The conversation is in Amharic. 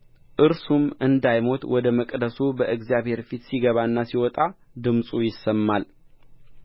እርሱም እንዳይሞት ወደ መቅደሱ በእግዚአብሔር ፊት ሲገባና ሲወጣ ድምፁ ይሰማል